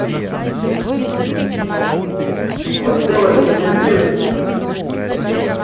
мой голос дезертир